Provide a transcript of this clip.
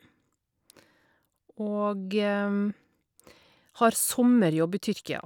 Og har sommerjobb i Tyrkia.